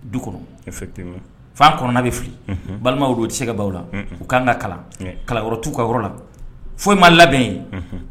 Du kɔnɔ éffectivement f'a kɔnɔna bɛ fili, unhun, balimaw don u tɛ se ka ban u la, un-un, u kan ka kalan, kalan yɔrɔ t'u ka yɔrɔ la, foyi ma labɛn yen, unhun